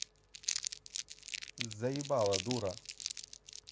заебала дура